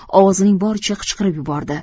ovozining boricha qichqirib yubordi